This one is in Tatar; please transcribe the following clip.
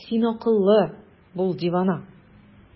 Син акыллы, бул дивана!